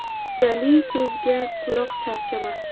mazali so'zga quloq charchamas